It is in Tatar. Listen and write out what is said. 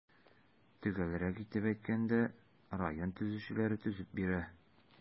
Төгәлрәк итеп әйткәндә, район төзүчеләре төзеп бирә.